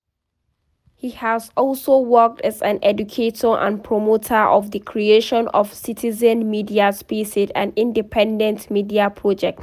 He has also worked as an educator and promoter of the creation of citizen media spaces and independent media projects.